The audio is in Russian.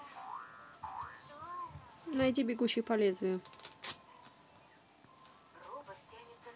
найди бегущий по лезвию